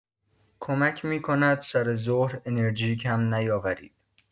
کمک می‌کند سر ظهر انرژی کم نیاورید.